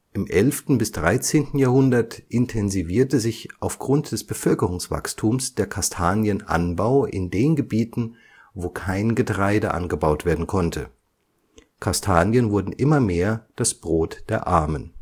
Im 11. bis 13. Jahrhundert intensivierte sich aufgrund des Bevölkerungswachstums der Kastanienanbau in den Gebieten, wo kein Getreide angebaut werden konnte, Kastanien wurden immer mehr das Brot der Armen